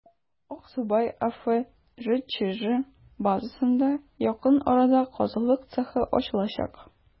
«аксубай» аф» җчҗ базасында якын арада казылык цехы ачылачак.